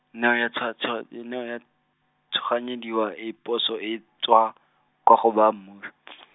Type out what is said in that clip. Neo ya tsho- tsho- Neo ya, tshoganyediwa e poso e tswa, kwa go ba mmu .